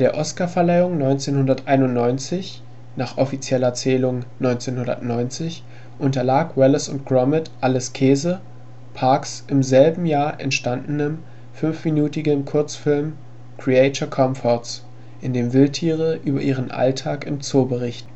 Oscarverleihung 1991 (offizielle Zählung 1990) unterlag Wallace & Gromit – Alles Käse Parks im selben Jahr entstandenem 5-minütigen Kurzfilm Creature Comforts, in dem Wildtiere über ihren Alltag im Zoo berichten